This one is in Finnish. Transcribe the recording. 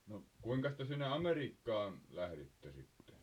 no kuinkas te sinne Amerikkaan lähditte sitten